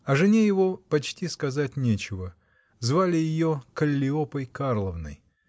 О жене его почти сказать нечего звали ее Каллиопой Карловной